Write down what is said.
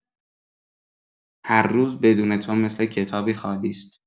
هر روز بدون تو مثل کتابی خالی ست.